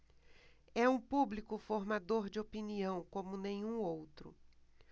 é um público formador de opinião como nenhum outro